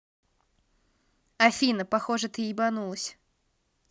афина похоже ты ебанулась